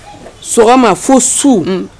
Sɔgɔma fo su